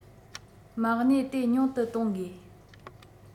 མ གནས དེ ཉུང དུ གཏོང དགོས